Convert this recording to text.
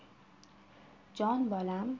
jon bolam